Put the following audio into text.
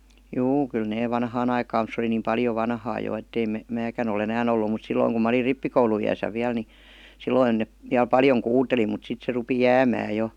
juu kyllä ne vanhaan aikaan mutta se oli niin paljon vanhaa jo että ei - minäkään ole enää ollut mutta silloin kun minä olin rippikouluiässä vielä niin silloin ne vielä paljon kuuteli mutta sitten se rupesi jäämään jo